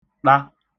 ṭa